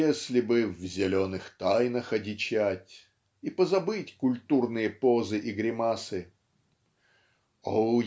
если бы "в зеленых тайнах одичать" и позабыть культурные позы и гримасы О